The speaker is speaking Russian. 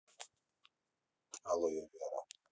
ало я вера